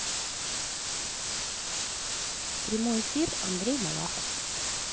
прямой эфир андрей малахов